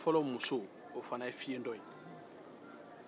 denke fɔlɔ muso fana ye fiyentɔ ye